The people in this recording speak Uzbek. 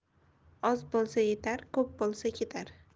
oz bo'lsa yetar ko'p bo'lsa ketar